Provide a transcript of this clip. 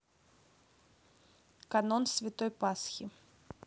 канон святой пасхи